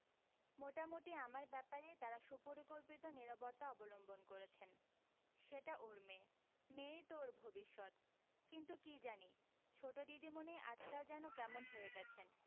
মোটামুটি আমার ব্যাপারে তারা সুপরিকল্পিত নীরবতা অবলম্বন করেছেন সেটা ওর মেয়ে মেয়েই তো ওর ভবিষ্যত কিন্তু কী জানি ছোট দিদিমণি আজকাল যেন কেমন হয়ে গেছেন